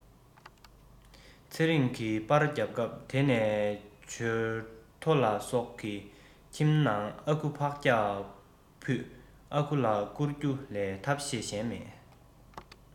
ཚེ རིང གི པར བརྒྱབ སྐབས དེ ནས འབྱོར ཐོ ལ སོགས ཁྱིམ ནང ཨ ཁུ ཕག སྐྱག ཕུད ཨ ཁུ ལ བསྐུར རྒྱུ ལས ཐབས ཤེས གཞན མེད